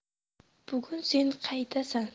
bugun sen qaydasan